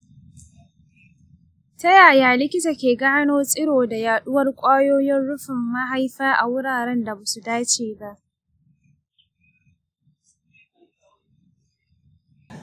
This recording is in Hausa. ta yaya likita ke gano tsiro da yaduwar ƙwayoyin rufin mahaifa a wuraren da ba su dace ba?